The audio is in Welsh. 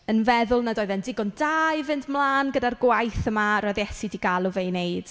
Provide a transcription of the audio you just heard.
Yn feddwl nad oedd e'n digon da i fynd mlaen gyda'r gwaith yma yr oedd Iesu 'di galw fe i wneud.